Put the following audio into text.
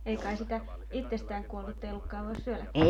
ei kai sitä itsestään kuollutta elukkaa voisi syödäkään